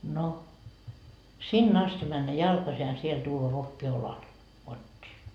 no sinne asti mennä jalkaisin ja sieltä tuoda vokki olalla kotiin